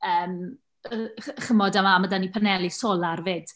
Yym yy ch- chimod a ma' ma' 'da ni paneli solar 'fyd.